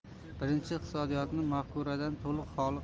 birinchisi iqtisodiyotni mafkuradan to'liq xoli